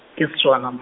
ke Setswana m-.